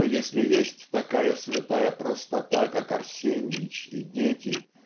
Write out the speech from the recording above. что если есть такая святая простота как Арсенич и дети